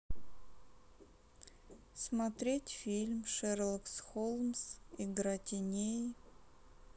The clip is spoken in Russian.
смотреть фильм шерлок холмс игра теней